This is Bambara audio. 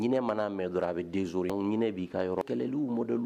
Ɲɛ man'a mɛn dɔrɔn a bɛ d'éorient ɲinɛ b'i ka yɔrɔ, kɛlɛliw modèle